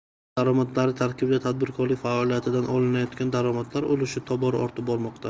aholi daromadlari tarkibida tadbirkorlik faoliyatidan olinayotgan daromadlar ulushi tobora ortib bormoqda